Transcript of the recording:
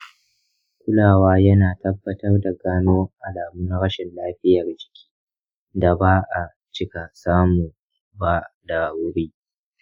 kulawa yana tabbatar da gano alamun rashin lafiyar jiki da ba a cika samu ba da wuri.